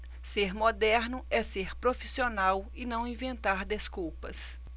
ser moderno é ser profissional e não inventar desculpas